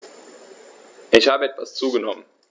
Ich habe etwas zugenommen